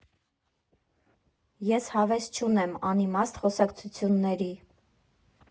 Ես հավես չունեմ անիմաստ խոսակցությունների…